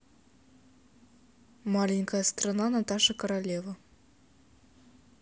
маленькая страна наташа королева